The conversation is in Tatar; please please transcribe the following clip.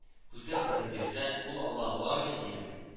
Күзгә күренеп йөрсә, ул Алла буламыни, дидем